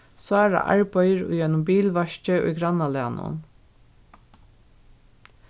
sára arbeiðir í einum bilvaski í grannalagnum